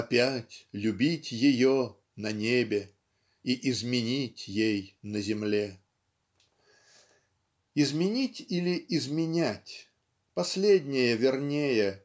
Опять любить Ее на небе И изменить ей на земле. Изменить или изменять последнее вернее